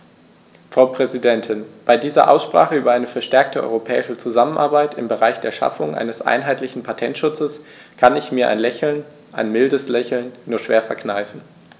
Frau Präsidentin, bei dieser Aussprache über eine verstärkte europäische Zusammenarbeit im Bereich der Schaffung eines einheitlichen Patentschutzes kann ich mir ein Lächeln - ein mildes Lächeln - nur schwer verkneifen.